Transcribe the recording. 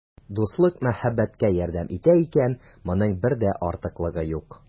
Дуслык мәхәббәткә ярдәм итә икән, моның бер дә артыклыгы юк.